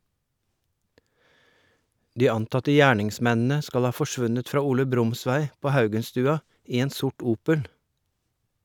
De antatte gjerningsmennene skal ha forsvunnet fra Ole Brumsvei på Haugenstua i en sort Opel.